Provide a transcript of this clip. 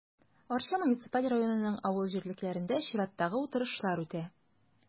Арча муниципаль районының авыл җирлекләрендә чираттагы утырышлар үтә.